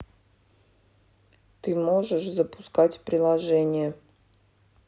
ты можешь запускать приложения